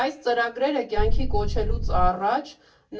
Այս ծրագրերը կյանքի կոչելուց առաջ